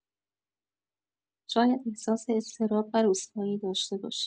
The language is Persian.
شاید احساس اضطراب و رسوایی داشته باشید.